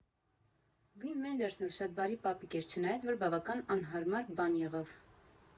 Վիմ Վենդերսն էլ շատ բարի պապիկ էր, չնայած, որ բավական անհարմար բան եղավ.